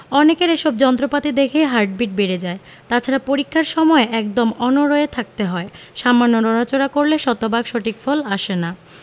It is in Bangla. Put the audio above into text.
অনেকের এসব যন্ত্রপাতি দেখেই হার্টবিট বেড়ে যায় তাছাড়া পরীক্ষার সময় একদম অনড় হয়ে থাকতে হয় সামান্য নড়াচড়া করলে শতভাগ সঠিক ফল আসে না